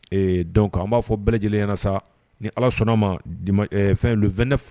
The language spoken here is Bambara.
Ee donc an b'a fɔ bɛɛ lajɛlen ɲɛna sa, ni Ala sɔnn'a ma dima ee fɛn le 29